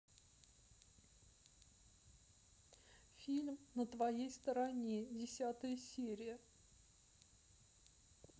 фильм на твоей стороне десятая серия